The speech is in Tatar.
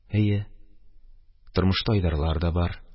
Әйе, тормышта Айдарлар да бар.